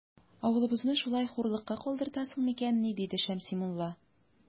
Авылыбызны шулай хурлыкка калдыртасың микәнни? - диде Шәмси мулла.